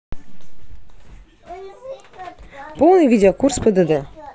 полный видео курс пдд